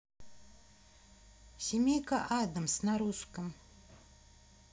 семейка адамс на русском